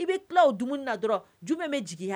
I bɛ tilaw dumuni na dɔrɔn jumɛn bɛ jiginya